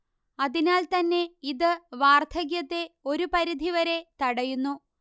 അതിനാൽ തന്നെ ഇത് വാർധക്യത്തെ ഒരു പരിധിവരെ തടയുന്നു